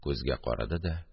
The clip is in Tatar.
Күзгә карады да